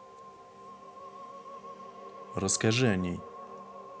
расскажи о ней